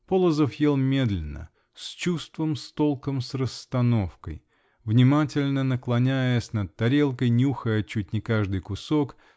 Полозов ел медленно, "с чувством, с толком с расстановкой внимательно наклоняясь над тарелкой, нюхая чуть не каждый кусок